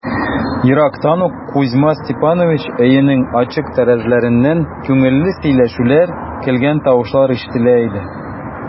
Ерактан ук Кузьма Степанович өенең ачык тәрәзәләреннән күңелле сөйләшүләр, көлгән тавышлар ишетелә иде.